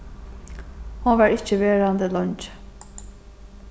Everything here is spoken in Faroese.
hon varð ikki verandi leingi